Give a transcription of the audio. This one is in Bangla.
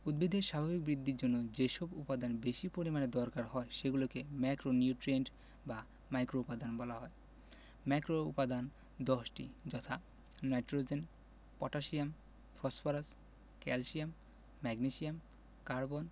উদ্ভিদের স্বাভাবিক বৃদ্ধির জন্য যেসব উপাদান বেশি পরিমাণে দরকার হয় সেগুলোকে ম্যাক্রোনিউট্রিয়েন্ট বা ম্যাক্রোউপাদান বলা হয় ম্যাক্রোউপাদান ১০ টি যথা nitrogen potassium phosphorus calcium magnesium carbon